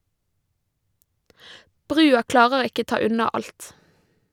Brua klarer ikke ta unna alt.